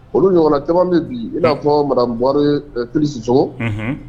Olu ɲɔgɔn caman min bi i'a fɔ mara mwa kisiɔgɔ